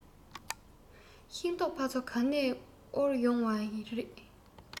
ཤིང ཏོག ཕ ཚོ ག ནས དབོར ཡོང བ རེད